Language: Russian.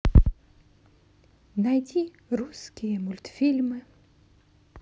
найди русские мультфильмы